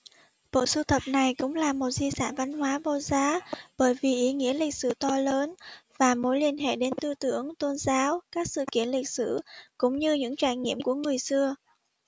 bộ sưu tập này cũng là một di sản văn hóa vô giá bởi vì ý nghĩa lịch sử to lớn và mối liên hệ đến tư tưởng tôn giáo các sự kiện lịch sử cũng như những trải nghiệm của người xưa